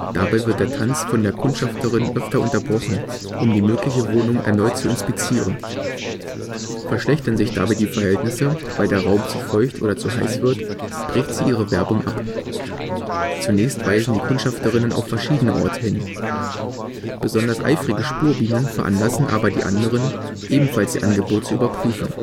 Dabei wird der Tanz von der Kundschafterin öfter unterbrochen, um die mögliche Wohnung erneut zu inspizieren. Verschlechtern sich dabei die Verhältnisse, weil der Raum zu feucht oder zu heiß wird, bricht sie ihre Werbung ab. Zunächst weisen die Kundschafterinnen auf verschiedene Orte hin. Besonders eifrige Spurbienen veranlassen aber die anderen, ebenfalls ihr Angebot zu überprüfen